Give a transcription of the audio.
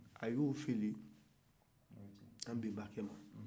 a y'o fili an bɛnba kɛ ma